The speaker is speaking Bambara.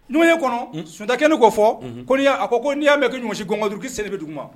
Nɔye kɔnɔ , Un, Sunja kɛlen don k'o fɔ ko n'i y'a, ko n' y'a mɛn k'i ɲɔnsi gɔngɔduuru i sen de bɛ duguma.